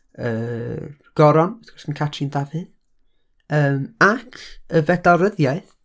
Yr Goron, wrth gwrs, gan Catrin Dafydd yym, ac y Fedal Ryddiaith.